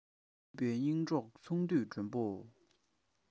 འདུས པའི གཉེན གྲོགས ཚོང འདུས མགྲོན པོ